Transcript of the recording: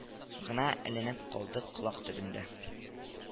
Гына эленеп калды колак төбендә